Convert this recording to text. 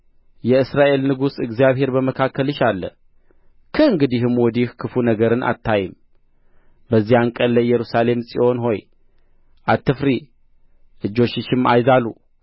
የእስራኤል ንጉሥ እግዚአብሔር በመካከልሽ አለ ከእንግዲህም ወዲህ ክፉ ነገርን አታዪም በዚያን ቀን ለኢየሩሳሌም ጽዮን ሆይ አትፍሪ እጆችሽም አይዛሉ